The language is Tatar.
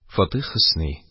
Фатих Хөсни